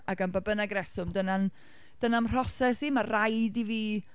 Ac am ba bynnag reswm, dyna'n, dyna'n mhroses i, ma’ rhaid i fi...